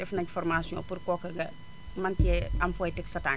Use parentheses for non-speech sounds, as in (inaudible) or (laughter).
def nañu formation pour kooku nga mën cee (noise) am fooy teg sa tànk